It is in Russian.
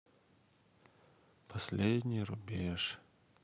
последний рубеж